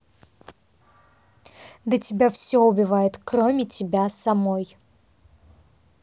да тебя все убивает кроме тебя самой